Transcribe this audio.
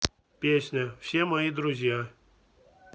песня все мои друзья